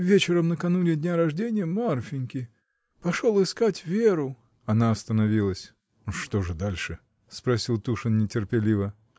вечером, накануне дня рождения Марфиньки. пошел искать Веру. Она остановилась. — Что же дальше? — спросил Тушин нетерпеливо.